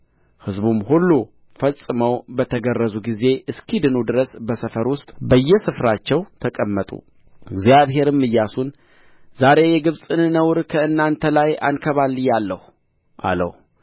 ሕዝቡም ሁሉ ፈጽመው በተገረዙ ጊዜ እስኪድኑ ድረስ በሰፈር ውስጥ በየስፍራቸው ተቀመጡ እግዚአብሔርም ኢያሱን ዛሬ የግብፅን ነውር ከእናንተ ላይ አንከባልያለሁ አለው